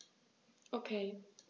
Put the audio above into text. Okay.